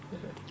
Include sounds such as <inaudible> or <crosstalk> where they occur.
<hesitation> <hesitation>